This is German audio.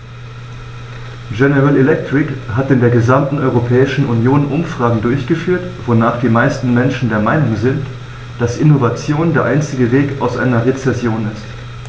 General Electric hat in der gesamten Europäischen Union Umfragen durchgeführt, wonach die meisten Menschen der Meinung sind, dass Innovation der einzige Weg aus einer Rezession ist.